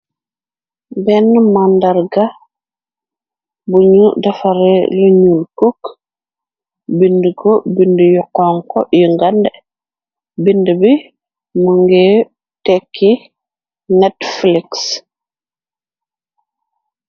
Benn màndarga buñu defare lu ñuul cook bindi ko bind yu honku yu ngande. bindi bi më ngi tekki netflix.